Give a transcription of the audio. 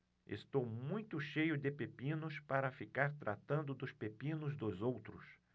estou muito cheio de pepinos para ficar tratando dos pepinos dos outros